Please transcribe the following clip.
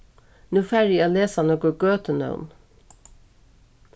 nú fari eg at lesa nøkur gøtunøvn